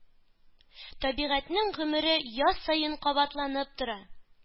Табигатьнең гомере яз саен кабатланып тора,